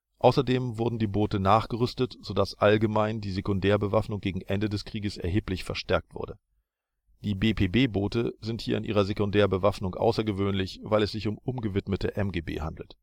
außerdem wurden die Boote nachgerüstet, so dass allgemein die Sekundärbewaffnung gegen Ende des Krieges erheblich verstärkt wurde. Die BPB-Boote sind hier in ihrer Sekundärbewaffnung außergewöhnlich, weil es sich um umgewidmete MGB handelt